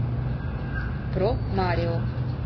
про марио